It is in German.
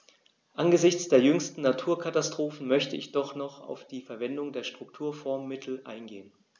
Angesichts der jüngsten Naturkatastrophen möchte ich doch noch auf die Verwendung der Strukturfondsmittel eingehen.